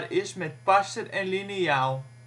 is met passer en liniaal